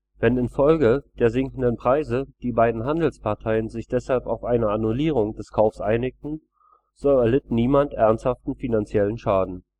Wenn in der Folge der sinkenden Preise die beiden Handelsparteien sich deshalb auf eine Annullierung des Kaufes einigten, so erlitt niemand ernsthaften finanziellen Schaden